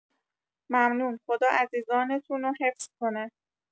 ممنون خدا عزیزانتونو حفظ کنه